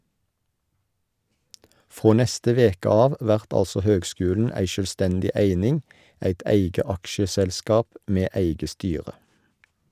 Frå neste veke av vert altså høgskulen ei sjølvstendig eining, eit eige aksjeselskap med eige styre.